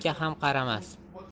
suyakka ham qaramas